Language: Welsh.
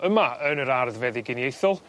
yma yn yr ardd feddyginiaethol